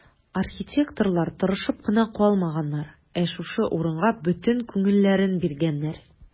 Архитекторлар тырышып кына калмаганнар, ә шушы урынга бөтен күңелләрен биргәннәр.